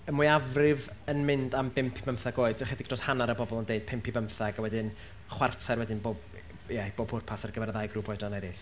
y mwyafrif yn mynd am bump i bymtheg oed. Ychydig dros hanner y bobl yn deud pump i bymtheg, a wedyn chwarter wedyn bob... ia i bob pwrpas ar gyfer y ddau grŵp oedran eraill.